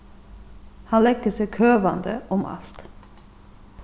hann leggur seg køvandi um alt